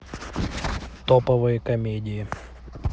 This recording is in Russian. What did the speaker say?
топовые комедии